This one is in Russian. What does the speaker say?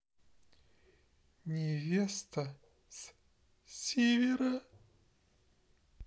невеста с севера